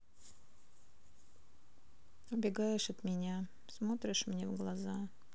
убегаешь от меня смотришь мне в глаза